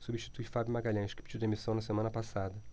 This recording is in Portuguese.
substitui fábio magalhães que pediu demissão na semana passada